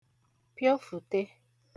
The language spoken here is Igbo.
piofụ̀te